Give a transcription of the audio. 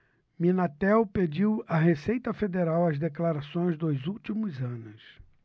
minatel pediu à receita federal as declarações dos últimos anos